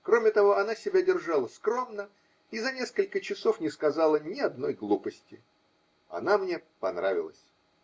Кроме того, она себя держала скромно и за несколько часов не сказала ни одной глупости. Она мне понравилась.